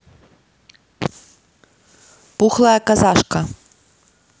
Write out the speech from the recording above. пухлая казашка